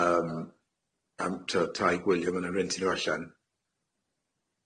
yym am t'o' tai gwylio ma' nw'n rentio n'w allan,